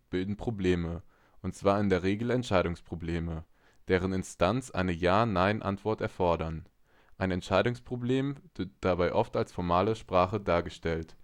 bilden Probleme, und zwar in der Regel Entscheidungsprobleme, deren Instanzen eine Ja/Nein-Antwort erfordern. Ein Entscheidungsproblem wird dabei oft als formale Sprache dargestellt